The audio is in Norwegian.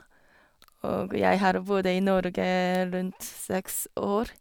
Og jeg har bodd i Norge rundt seks år.